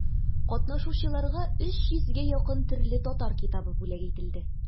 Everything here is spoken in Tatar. Катнашучыларга өч йөзгә якын төрле татар китабы бүләк ителде.